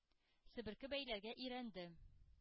Себерке бәйләргә өйрәнде.